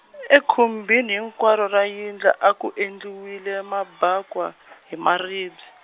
ekhumbini hinkwaro ra yindlu a ku endliwile mabakwa , hi maribye.